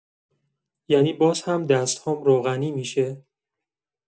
یعنی باز هم دست‌هام روغنی می‌شه؟